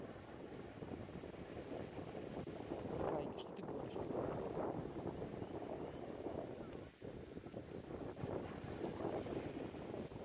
воровайки что ты гонишь мусорок